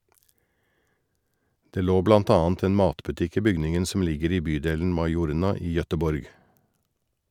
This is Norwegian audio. Det lå blant annet en matbutikk i bygningen, som ligger i bydelen Majorna i Göteborg.